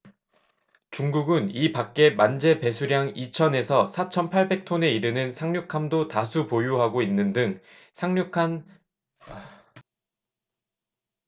중국은 이밖에 만재배수량 이천 에서 사천 팔백 톤에 이르는 상륙함도 다수 보유하고 있는 등 상당한 상륙전 능력을 갖추고 있다